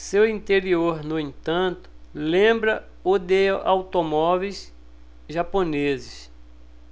seu interior no entanto lembra o de automóveis japoneses